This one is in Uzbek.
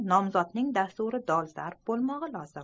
nomzodning dasturi dolzarb bo'lmog'i lozim